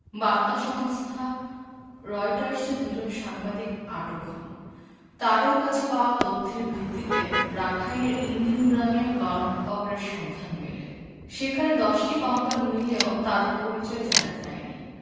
বার্তা সংস্থা রয়টার্সের দুজন সাংবাদিক আটক হন তাঁদের কাছে পাওয়া তথ্যের ভিত্তিতে রাখাইনের ইন দিন গ্রামে গণকবরের সন্ধান মেলে সেখানে ১০টি কঙ্কাল মিললেও তাদের পরিচয় জানা যায়নি